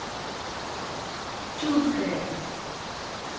чудское